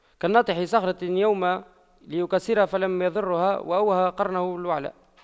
كناطح صخرة يوما ليكسرها فلم يضرها وأوهى قرنه الوعل